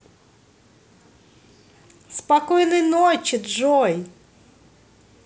спокойной ночи джой